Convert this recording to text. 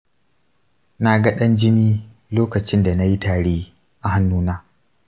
na ga ɗan jini lokacin da na yi tari a hannuna.